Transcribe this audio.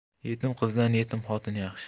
yetim qizdan yetim xotin yaxshi